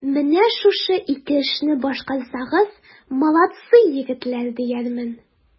Менә шушы ике эшне башкарсагыз, молодцы, егетләр, диярмен.